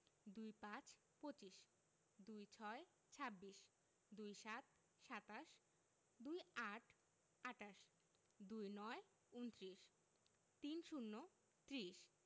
২৫ পঁচিশ ২৬ ছাব্বিশ ২৭ সাতাশ ২৮ আটাশ ২৯ ঊনত্রিশ ৩০ ত্রিশ